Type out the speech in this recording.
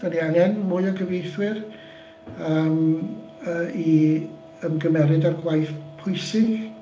Dan ni angen mwy o gyfieithwyr yym yy i ymgymeryd a'r gwaith pwysig.